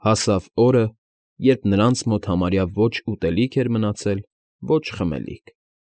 Հասավ օրը, երբ նրանց մոտ համարյա ոչ ուտելիք էր մնացել, ոչ խմելիք։